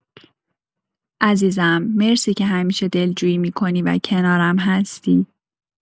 عزیزم، مرسی که همیشه دلجویی می‌کنی و کنارم هستی.